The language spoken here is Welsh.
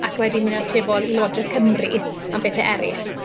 Ac wedyn ni'n atebol i Lywodraeth Cymru am bethe erill.